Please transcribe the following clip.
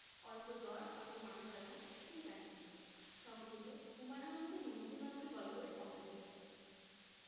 অল্প জ্বর অল্প মাথা ব্যাথা এতেই কাহিল সংগৃহীত হুমায়ুন আহমেদের নন্দিত নরকে গল্প এর অংশবিশেষ